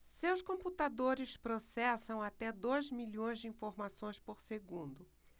seus computadores processam até dois milhões de informações por segundo